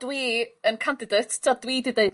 dwi yn candidate t'od dwi 'di deud...